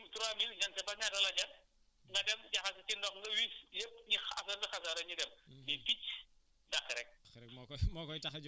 oubien nga dem si boutique yi nga jënd fa benn butéel 2000 3000 je ne sais pas ñaata la jar nga dem jaxase si ndox nga wis yëpp ñu affaire bi xasaw rek ñu dem